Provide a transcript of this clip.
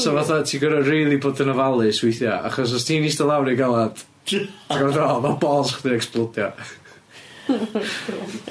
So fatha ti gorod rili bod yn ofalus weithia' achos os ti'n ista lawr ry galad, ti gwbo be' dwi fe'wl ma' balls chdi ecsplodio.